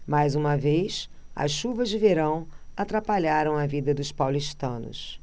mais uma vez as chuvas de verão atrapalharam a vida dos paulistanos